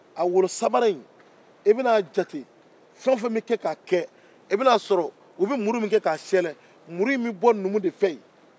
a golosamara in i bɛ na jate fɛn o fɛn bɛ kɛ k'a kɛ e bɛn'a sɔrɔ u bɛ muru min kɛ k'a sɛɛnɛ i bɛna a sɔrɔ muru in bɛ bɔ numu de fɛ yen